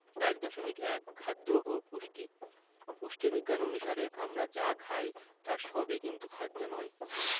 ১.১ খাদ্য ও পুষ্টি পুষ্টিবিজ্ঞান অনুসারে আমরা যা খাই তার সবই কিন্তু খাদ্য নয়